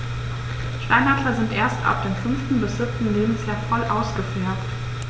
Steinadler sind erst ab dem 5. bis 7. Lebensjahr voll ausgefärbt.